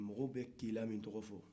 mɔgɔw be keela min tɔgɔ fɔ